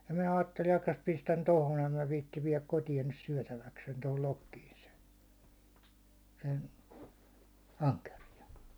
ja minä ajattelin jahkas pistän tuohon en minä viitsi viedä kotiin nyt syötäväkseni tuohon lokkiin sen sen ankeriaan